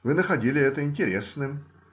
Вы находили это интересным